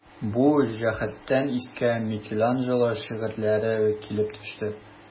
Бу җәһәттән искә Микеланджело шигырьләре килеп төште.